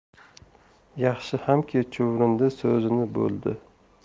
yaxshi hamki chuvrindi so'zini bo'ldi